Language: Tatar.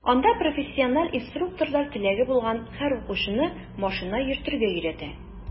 Анда профессиональ инструкторлар теләге булган һәр укучыны машина йөртергә өйрәтә.